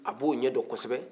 a b'o ɲɛdɔn kɔsɛbɛ